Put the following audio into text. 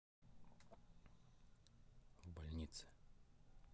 в больнице